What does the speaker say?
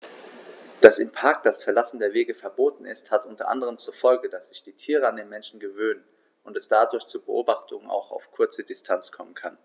Dass im Park das Verlassen der Wege verboten ist, hat unter anderem zur Folge, dass sich die Tiere an die Menschen gewöhnen und es dadurch zu Beobachtungen auch auf kurze Distanz kommen kann.